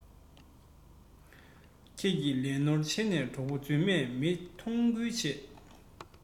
ཁྱེད ཀྱི ལས ནོར བྱས ནས གྲོགས པོ རྫུན མས མི མཐོང ཁུལ བྱེད